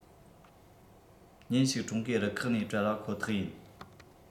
ཉིན ཞིག ཀྲུང གོའི རུ ཁག ནས བྲལ བ ཁོ ཐག ཡིན